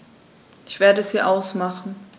Ich werde sie ausmachen.